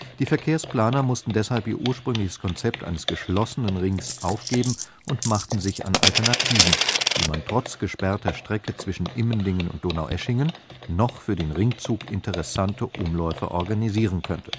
Die Verkehrsplaner mussten deshalb ihr ursprüngliches Konzept eines geschlossenen Rings aufgeben und machten sich an Alternativen, wie man trotz gesperrter Strecke zwischen Immendingen und Donaueschingen noch für den Ringzug interessante Umläufe organisieren könnte